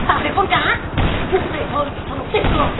tả về con cá cụ thể hơn để cho nó tiệt đường